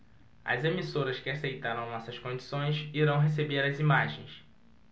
as emissoras que aceitaram nossas condições irão receber as imagens